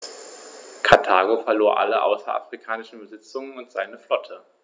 Karthago verlor alle außerafrikanischen Besitzungen und seine Flotte.